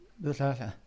Be oedd y llall 'na?